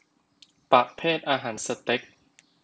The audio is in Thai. ประเภทอาหารเสต๊ก